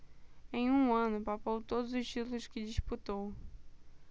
em um ano papou todos os títulos que disputou